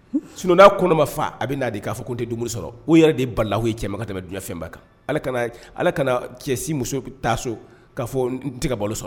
Sun kɔnɔma faa a bɛ' di k'a fɔ ko n tɛ dumuni sɔrɔ o yɛrɛ de ba laye cɛ ka tɛmɛ bɛ dunfɛnba kan ala kana cɛ si muso bɛ taa so k' fɔ n tɛ ka bɔ sɔrɔ